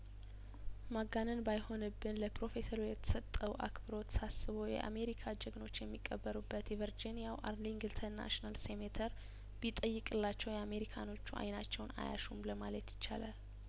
ማጋነን ባይሆንብን ለፕሮፌሰሩ የተሰጠው አክብሮት ሳስበው የአሜሪካ ጀግኖች የሚቀበሩበት የቨርጂኒያው አርሊንግተን ናሽናል ሴሜተሪ ቢጠይቅላቸው የአሜሪካኖቹ አይናቸውን አያሹም ለማለት ይቻላል